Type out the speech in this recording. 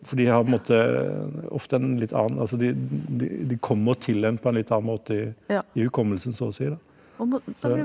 for de har på en måte ofte en litt annen altså de de de kommer til dem på en litt annen måte i i hukommelsen så og si da .